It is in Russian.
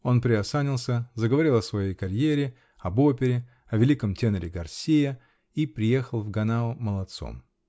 Он приосанился, заговорил о своей карьере, об опере, о великом теноре Гарсиа -- и приехал в Ганау молодцом.